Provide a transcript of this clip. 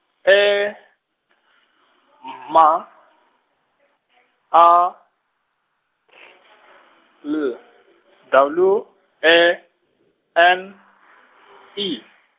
E, ma, A, L, W, E, N, I.